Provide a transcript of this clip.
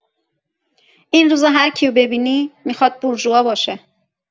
این روزا هر کیو ببینی می‌خواد بورژوا باشه.